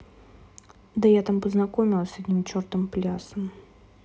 да я там познакомилась с одним чертом плясом